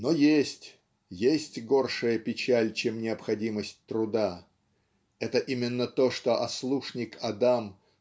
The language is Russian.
Но есть, есть горшая печаль, чем необходимость труда это именно то что ослушник Адам